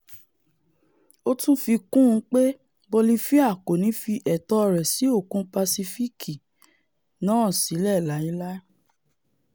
ó tun fi kún un pe Bolifia kòní fi ẹ̀tọ́ rẹ̀ sí Òkun Pàsífíìkì náà sílẹ̀ láíláí’.